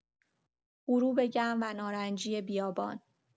غروب گرم و نارنجی بیابان